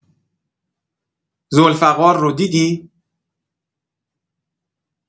ذوالفقار رو دیدی؟